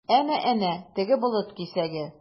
Әнә-әнә, теге болыт кисәге?